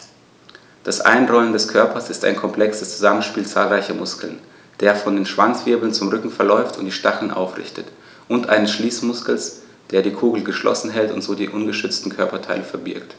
Das Einrollen des Körpers ist ein komplexes Zusammenspiel zahlreicher Muskeln, der von den Schwanzwirbeln zum Rücken verläuft und die Stacheln aufrichtet, und eines Schließmuskels, der die Kugel geschlossen hält und so die ungeschützten Körperteile verbirgt.